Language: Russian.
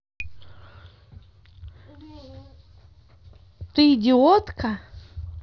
да ты идиотка